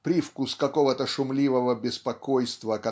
привкус какого-то шумливого беспокойства